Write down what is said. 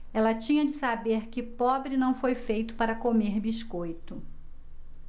ela tinha de saber que pobre não foi feito para comer biscoito